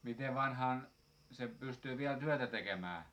miten vanhana se pystyy vielä työtä tekemään